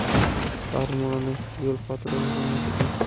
parmonov yo patrul xizmati